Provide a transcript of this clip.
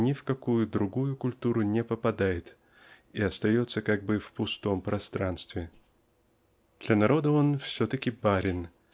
ни в какую другую культуру не попадает и остается как бы в пустом пространстве. Для народа он -- все-таки "барин"